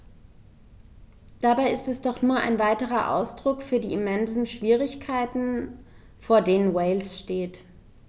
Dabei ist es doch nur ein weiterer Ausdruck für die immensen Schwierigkeiten, vor denen Wales steht.